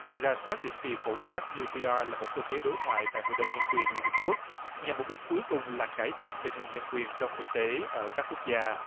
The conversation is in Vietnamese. rà soát định kỳ phổ quát diu pi a là một cơ chế đối thoại tại hội đồng nhân quyền liên hiệp quốc nhằm mục đích cuối cùng là cải thiện tình hình nhân quyền trong thực tế ở các quốc gia